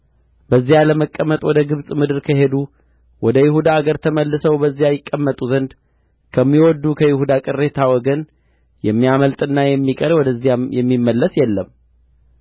በዚያ ለመቀመጥ ወደ ግብጽ ምድር ከሄዱ ወደ ይሁዳ አገር ተመልሰው በዚያ ይቀመጡ ዘንድ ከሚወድዱ ከይሁዳ ቅሬታ ወገን የሚያመልጥና የሚቀር ወደዚያም የሚመለስ የለም